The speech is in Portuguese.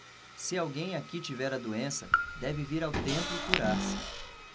se alguém aqui tiver a doença deve vir ao templo curar-se